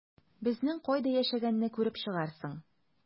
Безнең кайда яшәгәнне күреп чыгарсың...